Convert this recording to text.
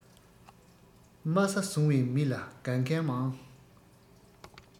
དམའ ས བཟུང བའི མི ལ དགའ མཁན མང